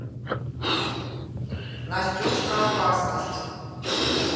настюшка опасность